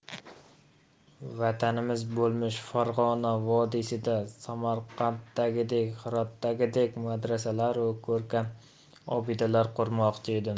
vatanimiz bo'lmish farg'ona vodiysida samarqanddagidek hirotdagidek madrasalaru ko'rkam obidalar qurmoqchi edim